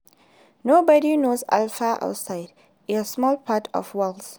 “Nobody knew Alffa outside a small part of Wales.